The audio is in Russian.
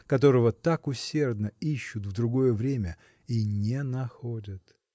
которого так усердно ищут в другое время и не находят.